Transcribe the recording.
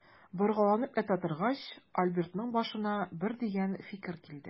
Боргаланып ята торгач, Альбертның башына бер дигән фикер килде.